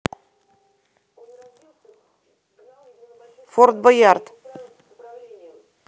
форд боярд